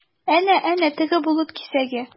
Әнә-әнә, теге болыт кисәге?